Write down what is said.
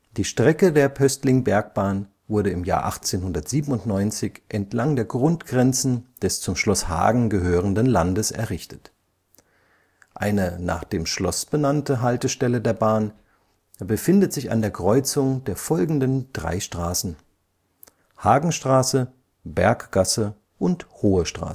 Die Strecke der Pöstlingbergbahn wurde 1897 entlang der Grundgrenzen des zum Schloss Hagen gehörenden Landes errichtet. Eine nach dem Schloss benannte Haltestelle der Bahn befindet sich an der Kreuzung der folgenden drei Straßen: Hagenstraße, Berggasse und Hohe Straße